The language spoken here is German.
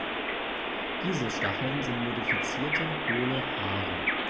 Diese Stacheln sind modifizierte, hohle Haare.